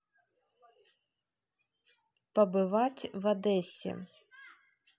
побывать в одессе